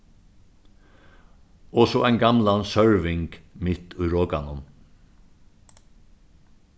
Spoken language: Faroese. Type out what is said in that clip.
og so ein gamlan sørving mitt í rokanum